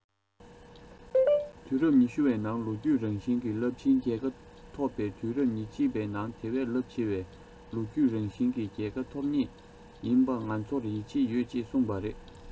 དུས རབས ཉི ཤུ བའི ནང ལོ རྒྱུས རང བཞིན གྱི རླབས ཆེན རྒྱལ ཁ ཐོབ པའི དུས རབས ཉེར གཅིག པའི ནང དེ བས རླབས ཆེ བའི ལོ རྒྱུས རང བཞིན གྱི རྒྱལ ཁབ ཐོབ ངེས ཡིན པ ང ཚོར ཡིད ཆེས ཡོད ཅེས གསུངས པ རེད